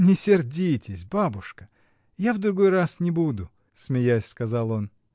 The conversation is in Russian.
— Не сердитесь, бабушка, я в другой раз не буду. — смеясь, сказал он.